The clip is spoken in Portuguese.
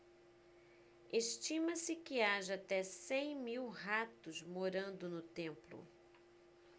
estima-se que haja até cem mil ratos morando no templo